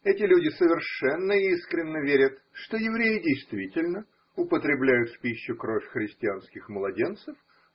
Эти люди совершенно искренно верят, что евреи действительно употребляют в пищу кровь христианских младенцев